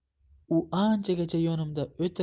u anchagacha yonimda o'tirdi